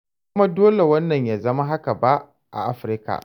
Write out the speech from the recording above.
Bai zama dole wannan ya zama haka ba a Afirka.